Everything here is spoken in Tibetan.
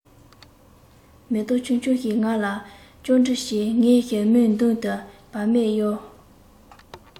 མེ ཏོག ཆུང ཆུང ཞིག ང ལ ཅོ འདྲི བྱེད ངའི མིག མདུན དུ བར མེད གཡོ